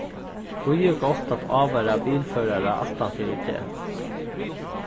tí er gott at ávara bilførarar aftan fyri teg